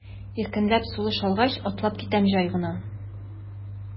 Иркенләп сулышым алгач, атлап китәм җай гына.